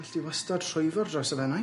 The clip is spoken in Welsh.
Alli di wastad rhwyfo dros y Fenai.